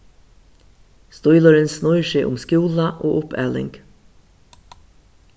stílurin snýr seg um skúla og uppaling